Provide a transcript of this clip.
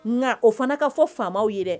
Nka o fana ka fɔ faamaw ye